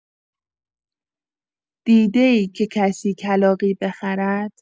دیده‌ای که کسی کلاغی بخرد؟!